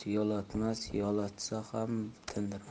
qo'shni yoiatmas yoiatsa ham tindirmas